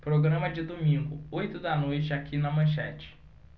programa de domingo oito da noite aqui na manchete